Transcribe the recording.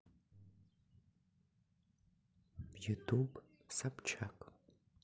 ютуб собчак